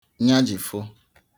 nyajifụ